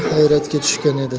bir hayratga tushgan edi